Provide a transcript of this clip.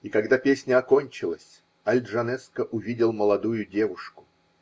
И когда песня окончилась, Аль-Джанеско увидел молодую девушку.